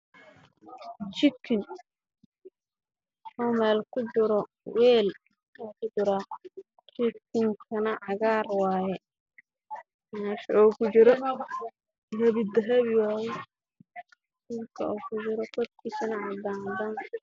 Waa jikin meel ku jiro